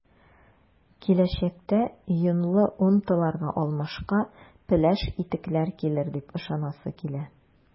Киләчәктә “йонлы” унтыларга алмашка “пеләш” итекләр килер дип ышанасы килә.